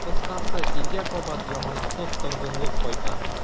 Кыскасы, илгә кабат яманатлы торгынлык кайта.